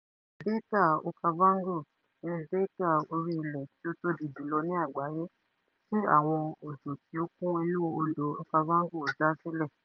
Dẹ́ẹ́tà Okavango ní dẹ́ẹ́tà orí ilẹ̀ tí ó tóbi jùlọ ní àgbáyé, tí àwọn òjò tí ó kún inú Odò Okavango dá sílẹ̀.